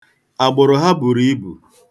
Agbụrụ ha buru ibu.